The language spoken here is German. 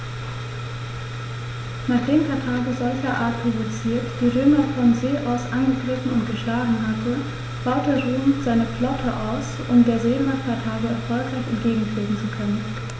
Nachdem Karthago, solcherart provoziert, die Römer von See aus angegriffen und geschlagen hatte, baute Rom seine Flotte aus, um der Seemacht Karthago erfolgreich entgegentreten zu können.